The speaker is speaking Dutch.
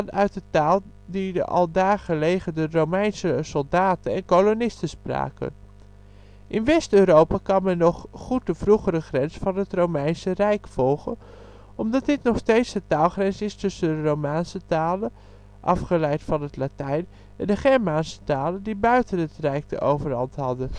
uit de taal die de aldaar gelegerde Romeinse soldaten en kolonisten spraken. In West-Europa kan men nog goed de vroegere grens van het Romeinse rijk volgen omdat dit nog steeds de taalgrens is tussen de Romaanse talen, afgeleid van het Latijn en de Germaanse talen die buiten het rijk de overhand hadden